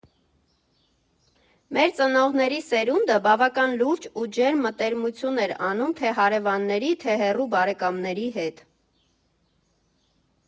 Մեր ծնողների սերունդը բավական լուրջ ու ջերմ մտերմություն էր անում թե հարևանների, թե հեռու բարեկամների հետ։